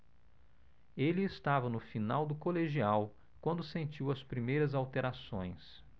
ele estava no final do colegial quando sentiu as primeiras alterações